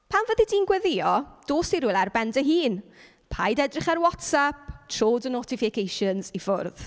Pan fyddi di'n gweddïo, dos i rywle ar ben dy hun. Paid edrych ar WhatsApp, tro dy notifications i ffwrdd.